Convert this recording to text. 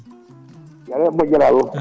ya yooɓe moƴƴere Allah